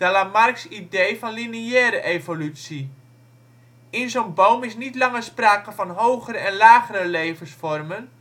Lamarcks idee van lineaire evolutie. In zo 'n boom is niet langer sprake van " hogere " en " lagere " levensvormen